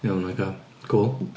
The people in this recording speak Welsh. Iawn ocê. Cŵl.